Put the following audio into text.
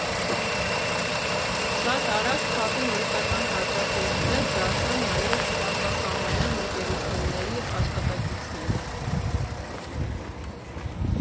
Շատ արագ փաբի մշտական հաճախորդներ դարձան նաև արտասահմանյան ընկերությունների աշխատակիցները։